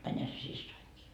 menihän se siskonikin